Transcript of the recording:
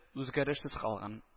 Үзгәрешсез калган